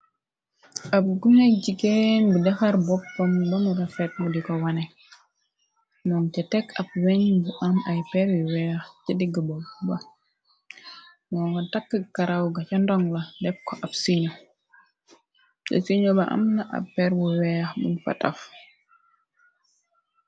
ab gunek jigeen bu defar boppam bamu refet mu di ko wane mon ca tekk ab weñ bu am ay peer yu weex ca digg bop ba moo nga takk karawga ca ndoŋg la dek ko ab sinu sa siñu ba amna ab peer bu weex buñu pataf